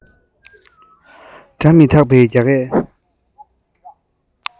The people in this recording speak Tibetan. སྒྲ མི དག པའི རྒྱ སྐད